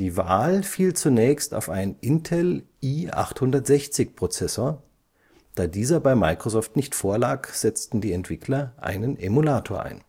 Wahl fiel zunächst auf einen Intel-i860-Prozessor; da dieser bei Microsoft nicht vorlag, setzten die Entwickler einen Emulator ein